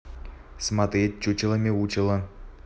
смотреть чучело мяучело